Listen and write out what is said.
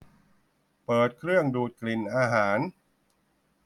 เปิดเครื่องดูดกลิ่นอาหาร